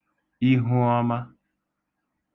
Ihuọma